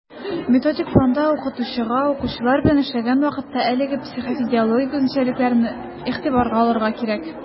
Методик планда укытучыга, укучылар белән эшләгән вакытта, әлеге психофизиологик үзенчәлекләрне игътибарга алырга кирәк.